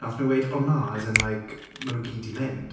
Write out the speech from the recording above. A wnaethon nhw weud, "O na, as in like ma' nhw gyd 'di mynd."